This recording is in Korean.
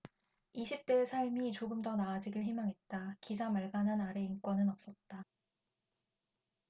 이십 대의 삶이 조금 더 나아지길 말가난 아래 인권은 없었다